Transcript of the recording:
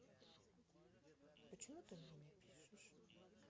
почему ты мне не пишешь